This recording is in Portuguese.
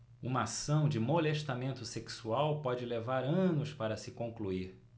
uma ação de molestamento sexual pode levar anos para se concluir